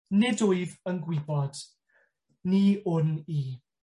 Nid wyf yn gwybod, ni wn i.